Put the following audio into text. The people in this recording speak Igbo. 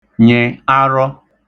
nyị̀ arọ